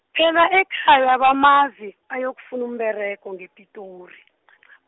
phela ekhaya bamazi ayokufuna umberego ngePitori .